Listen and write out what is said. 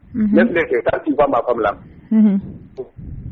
Ne filɛ kɛ quand tu vois ma femme là